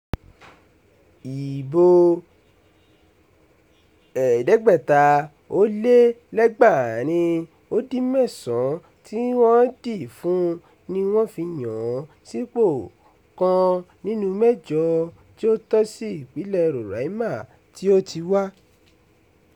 Ìbòo 8,491 tí wọ́n dì fún un ni wọ́n fi yàn án sípò kan nínúu mẹ́jọ tí ó tọ́ sí ìpínlẹ̀ Roraima tí ó ti wá.